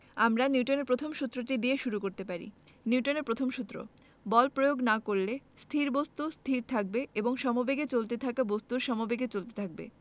নিউটনের প্রথম সূত্র বল প্রয়োগ না করলে স্থির বস্তু স্থির থাকবে এবং সমবেগে চলতে থাকা বস্তু সমবেগে চলতে থাকবে